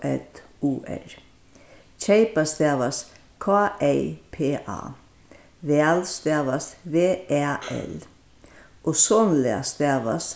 ð u r keypa stavast k ey p a væl stavast v æ l ozonlag stavast